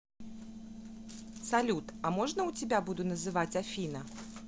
салют а можно у тебя буду называть афина